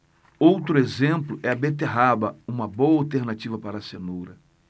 outro exemplo é a beterraba uma boa alternativa para a cenoura